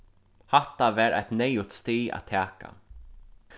hatta var eitt neyðugt stig at taka